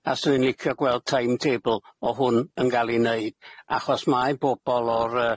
A 'swn i'n licio gweld timetable o hwn yn ga'l i neud, achos mae bobol o'r yy